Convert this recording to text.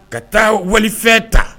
Ka taa walifɛn ta